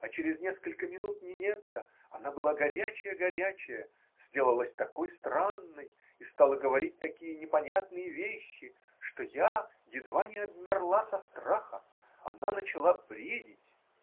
А через несколько минут Нинетта -- она была горячая-горячая -- сделалась такой странной и стала говорить такие непонятные вещи, что я едва не обмерла со страха. Она начала бредить.